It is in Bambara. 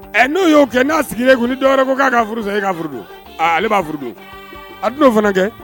Ɛ n'o y'o kɛ n'a sigi ni dɔwɛrɛ ko k'a ka furu e ka furu ale b'a furu a tun n'o fana kɛ